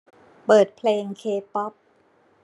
เปิดเพลงเคป๊อป